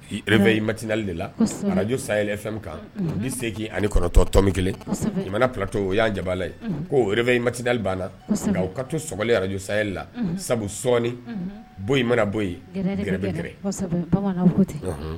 Re i matinali de la araj sala fɛn kan ni segin ani kɔrɔtɔ tɔmi kelen i mana pratɔ o y'an jabala ye ko yɛrɛ bɛ i matinali banna ka to soli arajju salila sabu sɔɔni bɔyi mana bɔ ye yɛrɛ bɛ g